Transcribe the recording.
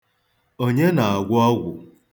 Onye na-agwọ ọgwụ?